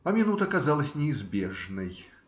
А минута казалась неизбежной.